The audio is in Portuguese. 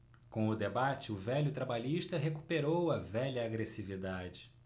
com o debate o velho trabalhista recuperou a velha agressividade